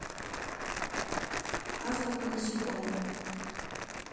азбука насекомых